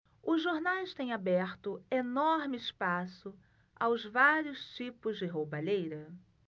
os jornais têm aberto enorme espaço aos vários tipos de roubalheira